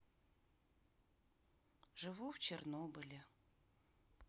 живу в чернобыле